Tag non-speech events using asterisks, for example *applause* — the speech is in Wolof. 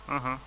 *hesitation* *hesitation*